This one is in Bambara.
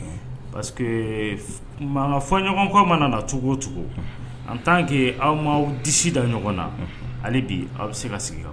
Pa mankanga fɔ ɲɔgɔn kɔ ma nana cogo o cogo an t' kɛ aw maaw disida ɲɔgɔn na ale bi aw bɛ se ka sigi